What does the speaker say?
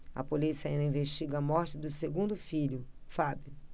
a polícia ainda investiga a morte do segundo filho fábio